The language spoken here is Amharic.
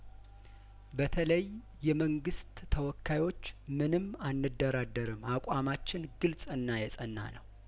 በተለይ የመንግስት ተወካዮች ምንም አንደራደርም አቋማችን ግልጽና የጸና ነው